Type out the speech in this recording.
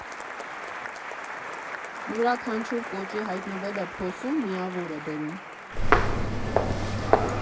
Յուրաքանչյուր կոճի հայտնվելը փոսում միավոր է բերում։